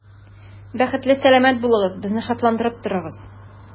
Бәхетле, сәламәт булыгыз, безне шатландырып торыгыз.